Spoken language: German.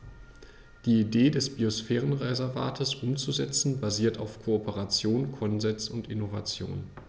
Die Idee des Biosphärenreservates umzusetzen, basiert auf Kooperation, Konsens und Innovation.